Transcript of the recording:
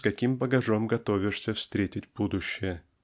с каким багажом готовишься встретить будущее.